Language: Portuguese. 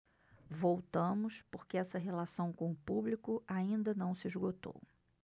voltamos porque essa relação com o público ainda não se esgotou